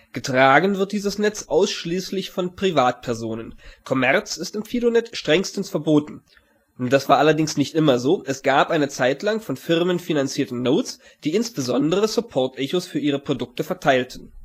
Getragen wird dieses Netz ausschließlich von Privatpersonen, Kommerz ist im FidoNet strengstens verboten. Das war allerdings nicht immer so, es gab eine Zeit lang von Firmen finanzierte Nodes, die insbesondere Support-Echos für ihre Produkte verteilten